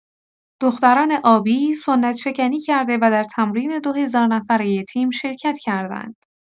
دختران آبی سنت‌شکنی کرده و در تمرین ۲ هزار نفرۀ تیم شرکت کردند.